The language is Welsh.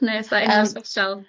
Neu o's 'na enw sbesial?